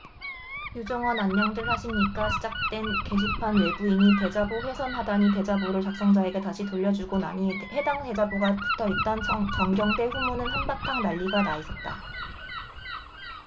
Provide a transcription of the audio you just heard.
유종헌안녕들 하십니까 시작된 게시판 외부인이 대자보 훼손하다니대자보를 작성자에게 다시 돌려주고 나니 해당 대자보가 붙어있던 정경대 후문은 한바탕 난리가 나 있었다